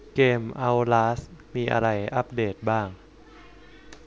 เกมเอ้าลาสมีอะไรอัปเดตบ้าง